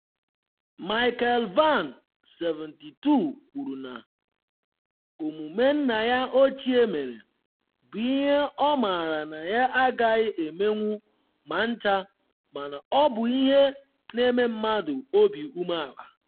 Michael Vann, 72 kwuru na omume nna ya ochie mere “bụ ihe ọ maara na ya agaghị emenwu ma ncha mana ọ bụ ihe na-eme mmadụ obi umeala.”